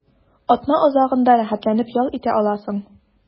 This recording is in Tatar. Атна азагында рәхәтләнеп ял итә аласың.